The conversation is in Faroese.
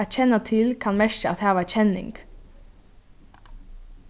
at kenna til kann merkja at hava kenning